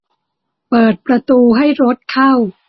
เปิดประตูให้รถเข้า